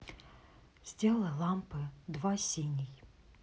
сделай лампа два синий